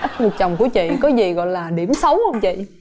chồng của chị có gì gọi là điểm xấu không chị